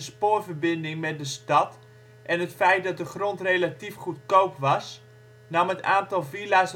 spoorverbinding met de stad en het feit dat de grond relatief goedkoop was, nam het aantal villa